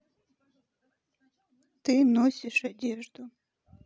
ты носишь одежду